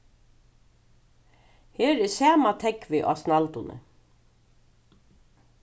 her er sama tógvið á snælduni